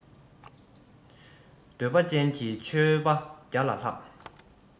འདོད ལ ཅན གྱི ཆོས པ བརྒྱ ལ ལྷག